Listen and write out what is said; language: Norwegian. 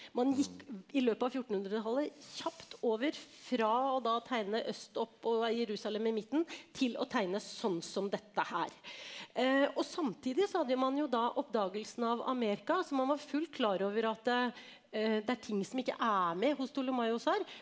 man gikk i løpet av fjortenhundretallet kjapt over fra å da tegne øst opp og Jerusalem i midten til å tegne sånn som dette her og samtidig så hadde man jo da oppdagelsen av Amerika, så man var fullt klar over at det er ting som ikke er med hos Ptolemaios her.